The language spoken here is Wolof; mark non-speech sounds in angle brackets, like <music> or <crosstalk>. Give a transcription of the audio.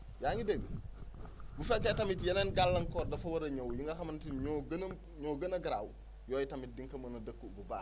yaa ngi dégg <noise> bu fekkee tamit yeneen gàllankoor dafa war a ñëw li nga xamante ni ñoo gën a ñoo gën a garaaw yooyu tamit di nga ko mën a dëkku bu baax